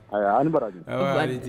Ayiwa a baraj di